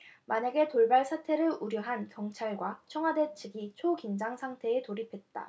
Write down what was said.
만약의 돌발 사태를 우려한 경찰과 청와대 측이 초긴장상태에 돌입했다